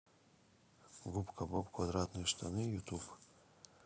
губка боб квадратные штаны ютуб